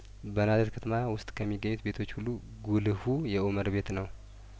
በናዝሬት ከተማ ውስጥ ከሚገኙ ቤቶች ሁሉ ጉልሁ የኡመር ቤት ነው